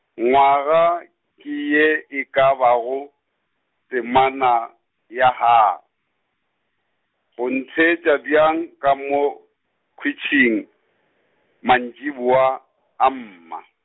nywaga, ke ye e ka bago, temana ya ha, go ntheetša bjang ka mo khwitšhing, mantšiboa, a mma.